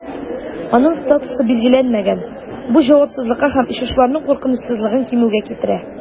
Аның статусы билгеләнмәгән, бу җавапсызлыкка һәм очышларның куркынычсызлыгын кимүгә китерә.